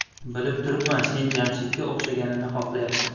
bilib turibman sen jamshidga o'xshaganini xohlayapsan